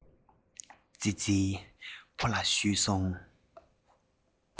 ཙི ཙི ཕོ ལ ཞུས སོང